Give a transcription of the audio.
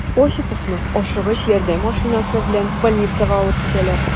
Осиповны «Ашыгыч ярдәм» машинасы белән больницага алып китәләр.